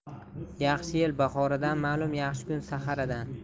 yaxshi yil bahoridan ma'lum yaxshi kun saharidan